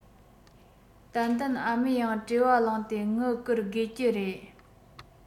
ཏན ཏན ཨ མས ཡང བྲེལ བ ལངས ཏེ དངུལ བསྐུར དགོས ཀྱི རེད